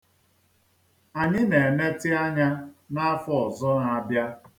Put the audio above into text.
Anyị na-enetị anya n'afọ ọzọ na-abịa.